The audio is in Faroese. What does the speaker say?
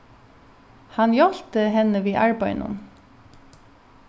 hann hjálpti henni við arbeiðinum